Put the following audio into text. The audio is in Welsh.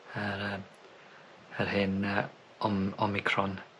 Yr yy yr hen yy Om- Omicron.